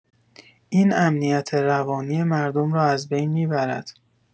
این امنیت روانی مردم را از بین می‌برد.